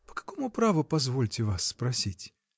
По какому праву, позвольте вас спросить?